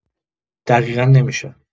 دقیقا نمی‌شه